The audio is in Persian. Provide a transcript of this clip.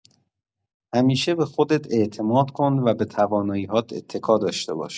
همیشه به خودت اعتماد کن و به توانایی‌هات اتکا داشته باش.